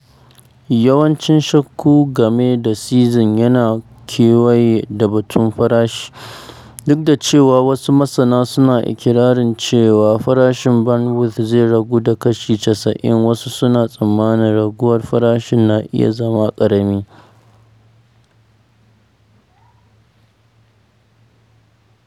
Yawancin shakku game da Seacom yana kewaye da batun farashi: duk da cewa wasu masana suna ikirarin cewa farashin bandwidth zai ragu da kashi 90, wasu suna tsammanin raguwar farashin na iya zama ƙarami.